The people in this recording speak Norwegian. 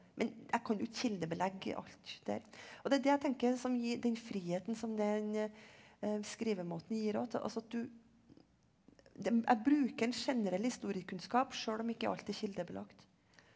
men jeg kan jo kildebelegge alt der og det er det jeg tenker som gir den friheten som den skrivemåten gir og at altså at du det jeg bruker en generell historiekunnskap sjøl om ikke alt er kildebelagt.